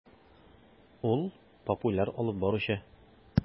Ул - популяр алып баручы.